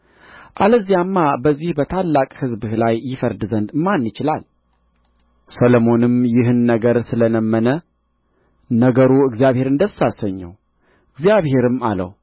አለዚያማ በዚህ በታላቅ ሕዝብህ ላይ ይፈድ ዘንድ ማን ይችላል ሰሎሞንም ይህን ነገር ስለ ለመነ ነገሩ እግዚአብሔርን ደስ አሰኘው እግዚአብሔርም አለው